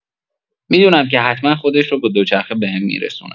می‌دونم که حتما خودش رو با دوچرخه بهم می‌رسونه.